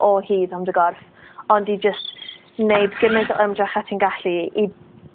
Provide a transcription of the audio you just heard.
o hyd am dy gorff, ond i jyst wneud gimynt o ymdrach at ti'n gallu i